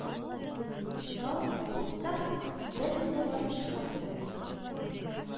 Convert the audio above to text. Тарып калдырсак, берни дә барып чыкмас дип уйлыйбыз